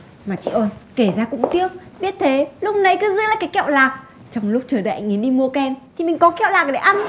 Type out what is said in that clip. mà chị ơi kể ra cũng tiếc biết thế lúc nãy cứ giữ lại cái kẹo lạc trong lúc chờ anh ý đi mua kem thì mình có kẹo lạc để ăn